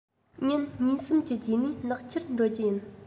ཉིན གཉིས གསུམ གྱི རྗེས ནས ནག ཆུར འགྲོ རྒྱུ ཡིན